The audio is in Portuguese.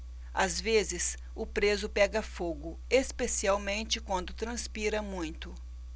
às vezes o preso pega fogo especialmente quando transpira muito